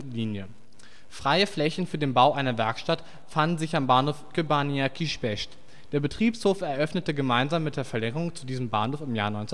Linie. Freie Flächen für den Bau einer Werkstatt fanden sich am Bahnhof Kőbánya-Kispest. Der Betriebshof eröffnete gemeinsam mit der Verlängerung zu diesem Bahnhof im Jahr